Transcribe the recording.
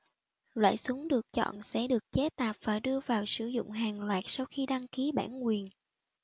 loại súng được chọn sẽ được chế tạp và đưa vào sử dụng hàng loạt sau khi đăng ký bản quyền